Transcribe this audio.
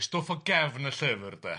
Y stwff o gefn y llyfr de.